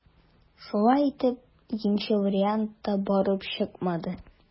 Шулай итеп, икенче вариант та барып чыкмады.